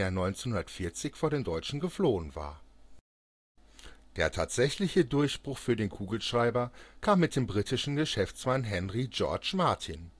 1940 vor den Deutschen geflohen war. Der tatsächliche Durchbruch für den Kugelschreiber kam mit dem britischen Geschäftsmann Henry George Martin